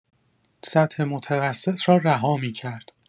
سطح متوسط را رها می‌کرد